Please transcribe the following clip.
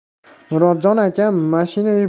murodjon akam mashina